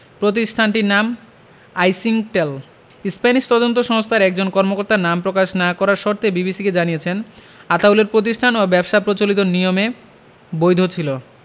প্রতিষ্ঠানটির নাম আইসিংকটেল স্প্যানিশ তদন্ত সংস্থার একজন কর্মকর্তা নাম প্রকাশ না করার শর্তে বিবিসিকে জানিয়েছেন আতাউলের পতিষ্ঠান ও ব্যবসা প্রচলিত নিয়মে বৈধ ছিল